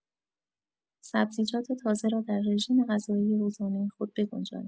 سبزیجات تازه را در رژیم‌غذایی روزانه خود بگنجانید.